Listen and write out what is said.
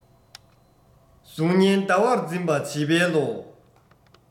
གཟུགས བརྙན ཟླ བར འཛིན པ བྱིས པའི བློ